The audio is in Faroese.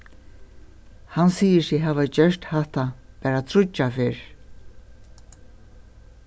hann sigur seg hava gjørt hatta bara tríggjar ferðir